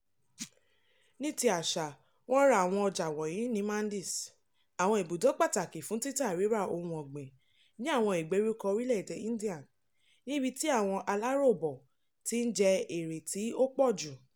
Ní ti àṣà, wọ́n ra àwọn ọjà wọ̀nyí ní "mándis" (àwọn ibùdó pàtàkì fún títà-rírà ohun ọ̀gbìn ní àwọn ìgbèríko orílẹ̀ èdè India), níbi tí àwọn aláròóbọ̀ tí ń jẹ èrè tí ó pọ̀jù.